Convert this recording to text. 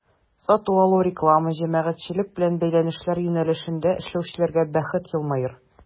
Сату-алу, реклама, җәмәгатьчелек белән бәйләнешләр юнәлешендә эшләүчеләргә бәхет елмаер.